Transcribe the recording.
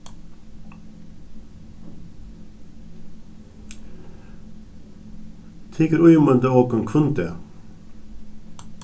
tykur ímynda okum hvønn dag